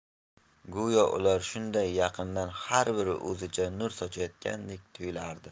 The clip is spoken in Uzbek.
go'yo ular shunday yaqindan har biri o'zicha nur sochayotgandek tuyulardi